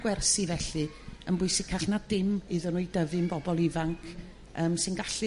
gwersi felly yn bwysicach na dim iddo nhw i dyfu'n bobl ifanc yrm sy'n gallu...